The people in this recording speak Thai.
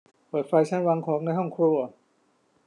เปิดไฟชั้นวางของในห้องครัว